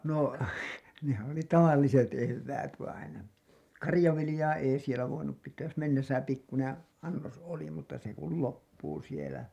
no nehän oli tavalliset eväät vainen karjanviljaa ei siellä voinut pitää jos mennessä pikkuinen annos oli mutta se kun loppuu siellä